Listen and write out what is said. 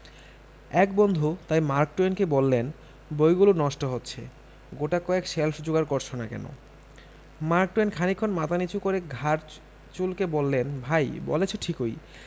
এক বন্ধু তাই মার্ক টুয়েনকে বললেন বইগুলো নষ্ট হচ্ছে গোটাকয়েক শেল্ফ যোগাড় করছ না কেন মার্ক টুয়েন খানিকক্ষণ মাথা নিচু করে ঘাড় চুলকে বললেন ভাই বলেছ ঠিকই